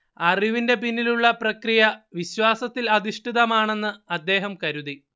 അറിവിന്റെ പിന്നിലുള്ള പ്രക്രിയ, വിശ്വാസത്തിൽ അധിഷ്ഠിതമാണെന്ന് അദ്ദേഹം കരുതി